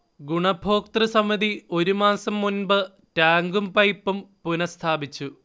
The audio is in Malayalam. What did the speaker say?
ഗുണഭോക്തൃസമിതി ഒരുമാസം മുൻപ് ടാങ്കും പൈപ്പും പുനഃസ്ഥാപിച്ചു